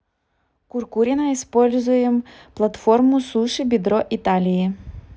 куркурина используем платформу суши бедро италии